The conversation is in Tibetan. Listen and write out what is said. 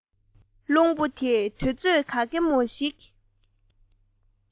རླུང བུ དེས དུས ཚོད ག གེ མོ ཞིག